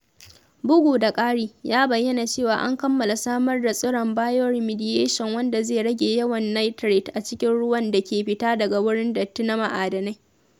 Bugu da ƙari, ya bayyana cewa an kammala samar da tsiron bioremediation wanda zai rage yawan nitrate a cikin ruwan da ke fita daga wurin datti na ma’adanai